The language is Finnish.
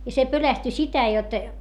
ja se pelästyi sitä jotta